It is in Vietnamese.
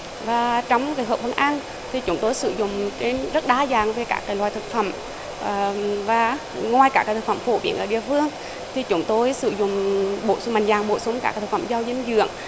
và trong cái khẩu phần ăn thì chúng tôi sử dụng cái rất đa dạng về các cái loại thực phẩm ờ và ngoài các cái thực phẩm phổ biến ở địa phương thì chúng tôi sử dụng bổ mạnh dạn bổ sung các thực phẩm giàu dinh dưỡng